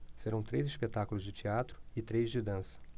serão três espetáculos de teatro e três de dança